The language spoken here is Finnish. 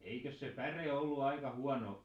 eikös se päre ollut aika huono